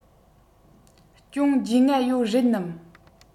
ཅུང རྒྱུས མངའ ཡོད རེད ནམ